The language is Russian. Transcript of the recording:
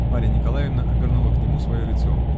Марья Николаевна обернула к нему свое лицо.